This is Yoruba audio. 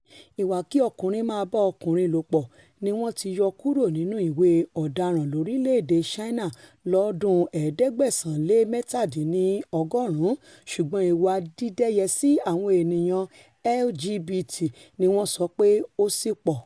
Ìwà kí ọkùnrin máa bá ọkùnrin lòpọ̀ ni wọ́n ti yọ kúrò nínú ìwà ọ̀daràn lorílẹ̀-èdè Ṣáínà lọ́dún 1997, ṣùgbọ́n ìwà dídẹ́yẹsí àwọn ènìyàn LGBT ni wọn sọ pé ó sìpọ̀.